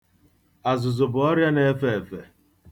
Azụzụ bụ ọrịa na-efe efe.